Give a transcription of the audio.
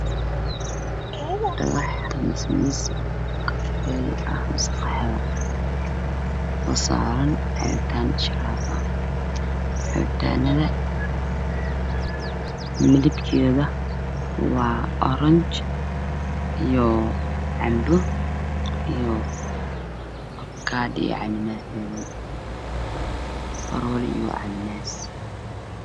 Waa dhagax ama miis oo qaxwi ah waxaa saaran cabitaano midabkoodu waa oranji iyo cambe, afakaadho iyo cananaas.